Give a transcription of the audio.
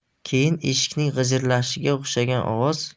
keyin eshikning g'ijirlashiga o'xshagan ovoz